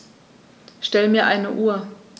Stell mir eine Uhr.